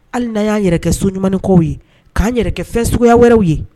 Hali na y'an yɛrɛ so ɲumankaw ye k'an yɛrɛ fɛn suguya wɛrɛw ye